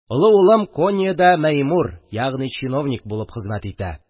Олы улым Кониядә мәэмур, ягъни чиновник булып хезмәт итә.